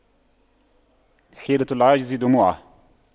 حيلة العاجز دموعه